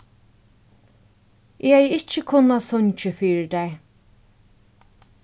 eg hevði ikki kunnað sungið fyri tær